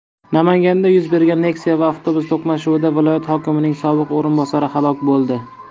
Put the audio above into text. namanganda yuz bergan nexia va avtobus to'qnashuvida viloyat hokimining sobiq o'rinbosari halok bo'lgan